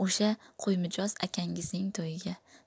o'sha qo'ymijoz akangizning to'yiga